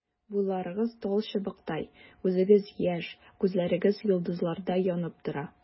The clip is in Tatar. Буйларыгыз талчыбыктай, үзегез яшь, күзләрегез йолдызлардай янып тора.